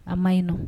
A man ɲi nɔ.